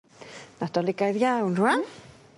Nadoligaidd iawn rŵan.